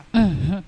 Un